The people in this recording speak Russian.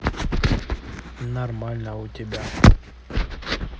нормально а у тебя